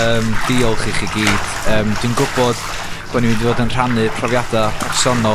yym diolch i chi gyd. Yym dwi'n gwbod bo' ni'n mynd i fod yn rhannu profiada personol